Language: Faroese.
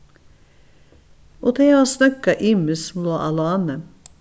og tey hava snøggað ymiskt sum lá á láni